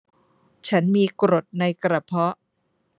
ฉันมีกรดในกระเพาะ